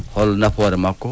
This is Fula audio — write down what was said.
hol nafoore makko